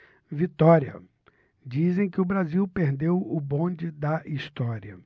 vitória dizem que o brasil perdeu o bonde da história